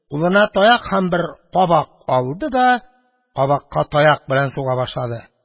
Кулына таяк һәм бер кабак алды да кабакка таяк белән суга башлады.